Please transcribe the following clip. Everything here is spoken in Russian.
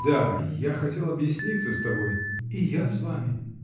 — Да, я хотел объясниться с тобой. — И я с вами.